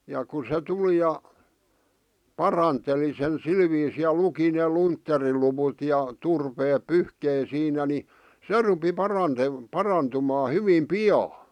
ja kun se tuli ja paranteli sen sillä viisiin ja luki ne luntteriluvut ja turpeet pyyhki siinä niin se rupesi - parantumaan hyvin pian